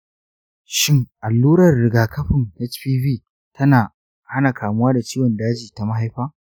shin allurar rigakafin hpv tana hana kamuwa da ciwon daji ta mahaifa?